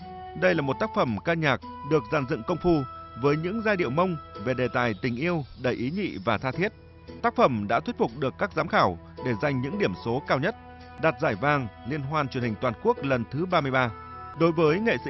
đây là một tác phẩm ca nhạc được dàn dựng công phu với những giai điệu mông về đề tài tình yêu đầy ý nhị và tha thiết tác phẩm đã thuyết phục được các giám khảo để giành những điểm số cao nhất đạt giải vàng liên hoan truyền hình toàn quốc lần thứ ba mươi ba đối với nghệ sĩ